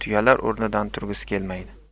tuyalar o'rnidan turgisi kelmaydi